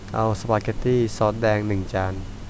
เอาสปาเก็ตตี้ซอสแดงหนึ่งจาน